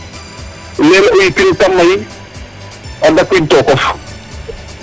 Nen o yipin ta may a dakwiid tookof